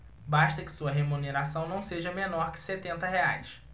basta que sua remuneração não seja menor que setenta reais